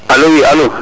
alo oui alo